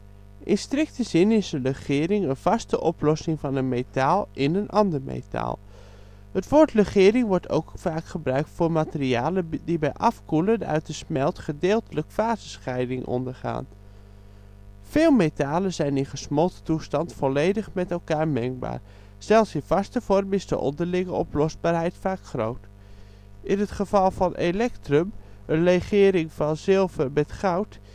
zin is een legering een vaste oplossing van een metaal in een ander metaal. Het woord legering wordt ook vaak gebruikt voor materialen die bij afkoelen uit de smelt gedeeltelijke fasenscheiding ondergaan. Veel metalen zijn in gesmolten toestand volledig met elkaar mengbaar. Zelfs in vaste vorm is de onderlinge oplosbaarheid vaak groot. In het geval van elektrum, de legering van zilver met goud